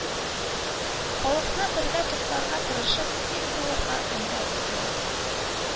Халыкны бергә тупларга тырышып, ил булырга өндәде